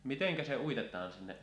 miten se uitetaan sinne